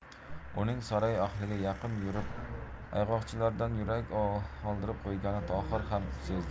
uning saroy ahliga yaqin yurib ayg'oqchilardan yurak oldirib qo'yganini tohir ham sezdi